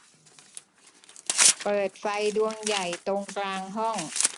เปิดไฟดวงใหญ่ตรงกลางห้อง